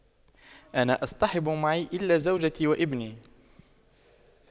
أنا اصطحب معي إلا زوجتي وابني